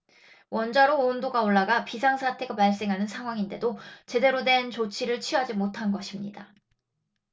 원자로 온도가 올라가 비상 사태가 발생하는 상황인데도 제대로 된 조치를 취하지 못한 것입니다